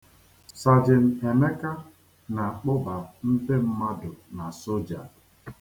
Sajin Emeka na-akpụba ndị mmadụ na soja.